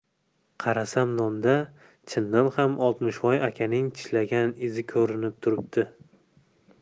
qarasam nonda chindan ham oltmishvoy akaning tishlagan izi ko'rinib turibdi